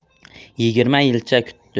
yigirma yilcha kutdi